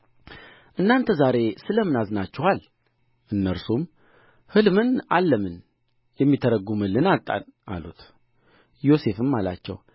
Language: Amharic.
እናንተ ዛሬ ስለ ምን አዝናችኋል እነርሱም ሕልምን አልመን የሚተረጕምልን አጣን አሉት ዮሴፍም አላቸው